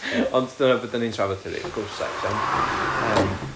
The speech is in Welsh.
Ond dyna be dan ni'n trafod heddiw ghost sex iawn yym